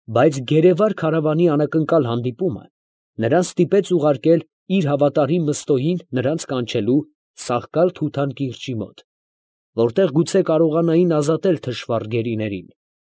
Բայց գերեվար քարավանի անակնկալ հանդիպումը նրան ստիպեց ուղարկել իր հավատարիմ Մըստոյին նրանց կանչելու Սախկալ֊Թութան կիրճի մոտ, որտեղ գուցե կարողանային ազատել թշվառ գերիներին։